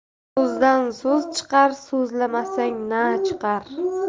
so'zdan so'z chiqar so'zlamasang na chiqar